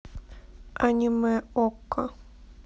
аниме окко